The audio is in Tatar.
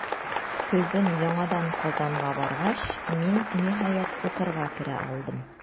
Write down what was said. Көзен яңадан Казанга баргач, мин, ниһаять, укырга керә алдым.